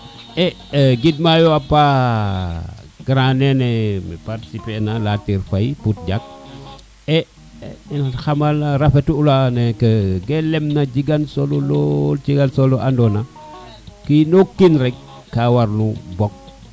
e gid mayo a paax e grand lene participer na Latir Faye Pojapev in xamal rafet ula neke ge lem na jegan solo lool a jega solo ando na o kino kiin rek ka war no bok